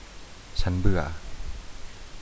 ฉันเบื่อ